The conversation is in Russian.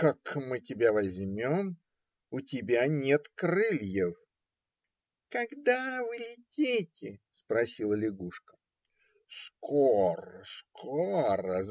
- Как мы тебя возьмем? У тебя нет крыльев. - Когда вы летите? - спросила лягушка. - Скоро, скоро!